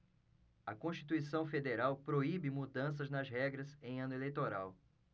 a constituição federal proíbe mudanças nas regras em ano eleitoral